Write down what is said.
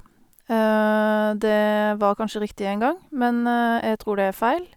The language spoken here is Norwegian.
Det var kanskje riktig en gang, men jeg tror det er feil.